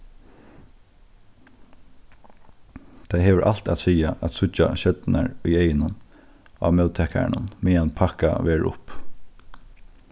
tað hevur alt at siga at síggja stjørnurnar í eygunum á móttakaranum meðan pakkað verður upp